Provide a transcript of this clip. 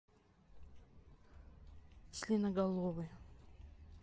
членоголовый